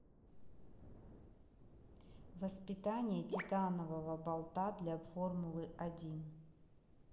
воспитание титанового болта для формулы один